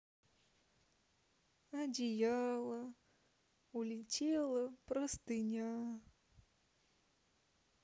одеяло улетела простыня